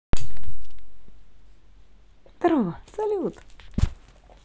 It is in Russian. здорово салют